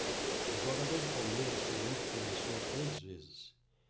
o jogador do palmeiras foi o único que lançou três vezes